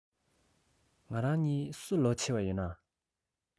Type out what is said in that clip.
ང རང གཉིས སུ ལོ ཆེ བ ཡོད ན